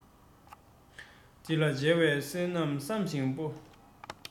འདི ལ མཇལ བའི བསོད ནམས བསམ ཞིང སྤྲོ